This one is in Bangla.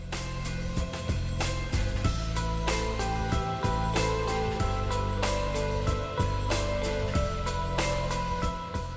music